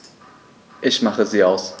Ich mache sie aus.